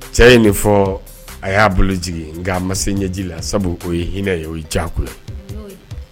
Cɛ ye nin fɔ a y'a bolo jigin nka a ma se ɲɛji la sabu o ye hinɛ ye o ye diyagoya.